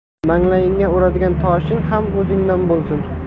manglayingga uradigan toshing ham o'zingdan bo'lsin